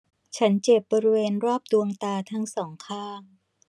ฉันเจ็บบริเวณรอบดวงตาทั้งสองข้าง